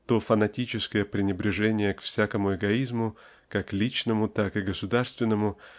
То фанатическое пренебрежение ко всякому эгоизму как личному так и государственному